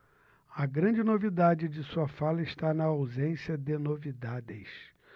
a grande novidade de sua fala está na ausência de novidades